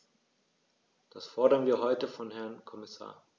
Das fordern wir heute vom Herrn Kommissar.